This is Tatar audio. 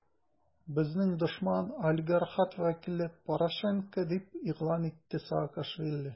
Безнең дошман - олигархат вәкиле Порошенко, - дип игълан итте Саакашвили.